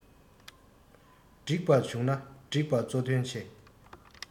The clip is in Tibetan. འགྲིག པ བྱུང ན འགྲིགས པ གཙོ དོན ཆེ